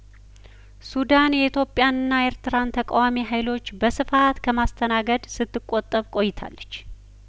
ሱዳን የኢትዮጵያንና የኤርትራን ተቃዋሚ ሀይሎች በስፋት ከማስተናገድ ስት ቆጠብ ቆይታለች